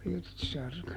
Pirtsarka